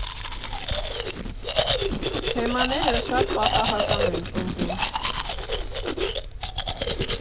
Թեմաները շատ պատահական են ծնվում։